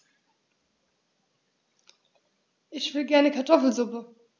Ich will gerne Kartoffelsuppe.